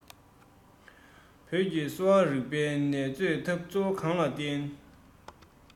བོད ཀྱི གསོ བ རིགས པས ནད བཅོས ཐབས གཙོ བོ གང ལ བརྟེན